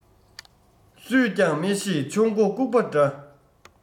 སུས ཀྱང མི ཤེས ཆུ མགོ ལྐུགས པ འདྲ